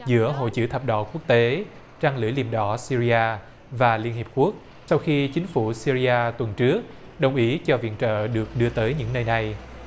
giữa hội chữ thập đỏ quốc tế trăng lưỡi liềm đỏ si ri a và liên hiệp quốc sau khi chính phủ si ri a tuần trước đồng ý cho viện trợ được đưa tới những nơi đây